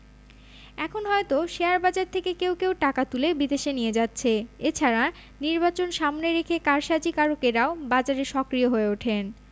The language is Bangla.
এখন হয়তো শেয়ারবাজার থেকে কেউ কেউ টাকা তুলে বিদেশে নিয়ে যাচ্ছে এ ছাড়া নির্বাচন সামনে রেখে কারসাজিকারকেরাও বাজারে সক্রিয় হয়ে ওঠেন